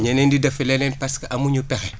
ñeneen di def leneen parce que amuñu pexe